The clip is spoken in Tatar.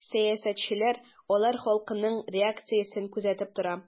Сәясәтчеләр алар халыкның реакциясен күзәтеп тора.